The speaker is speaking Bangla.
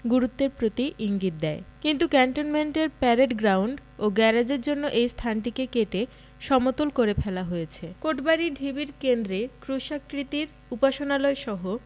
গুরুত্বের প্রতি ইঙ্গিত দেয় কিন্তু ক্যান্টনমেন্টের প্যারেড গ্রাউন্ড ও গ্যারেজের জন্য এ স্থানটিকে কেটে সমতল করে ফেলা হয়েছে কোটবাড়ি ঢিবির কেন্দ্রে ক্রুশাকৃতির উপাসনালয়সহ